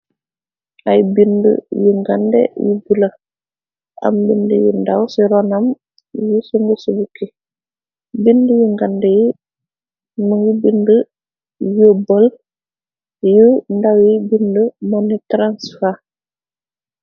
Ay bind yu ngande yu bula. Am bind yu ndaw ci ronam yu sungu subukki bind yu ngande yi mung bind yu bol yu ndawi bind monitransfer.